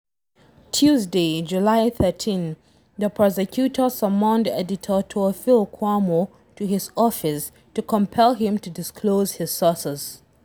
Tuesday, July 13, the prosecutor summoned editor Théophile Kouamouo to his office to compel him to disclose his sources.